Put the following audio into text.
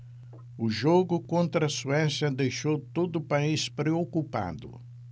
o jogo contra a suécia deixou todo o país preocupado